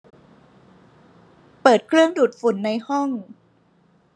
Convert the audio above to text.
เปิดเครื่องดูดฝุ่นในห้อง